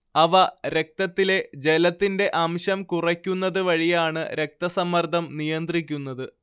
അവ രക്തത്തിലെ ജലത്തിന്റെ അംശം കുറയ്ക്കുന്നത് വഴിയാണ് രക്തസമ്മർദ്ദം നിയന്ത്രിക്കുന്നത്